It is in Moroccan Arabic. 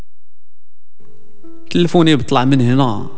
تلفوني يطلع من هنا